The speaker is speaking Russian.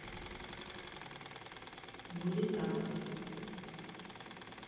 будет так